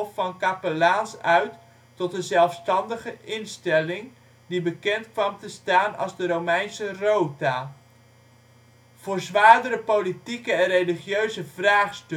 van kapelaans uit tot een zelfstandige instelling, die bekend kwam te staan als de Romeinse Rota. Voor zwaardere politieke en religieuze vraagstukken riep de